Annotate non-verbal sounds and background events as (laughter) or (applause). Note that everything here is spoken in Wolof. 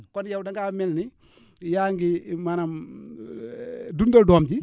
kon yow da ngaa mel ni (breath) yaa ngi maanaam (hesitation) dundal doom ji